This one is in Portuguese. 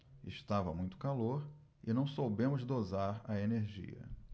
estava muito calor e não soubemos dosar a energia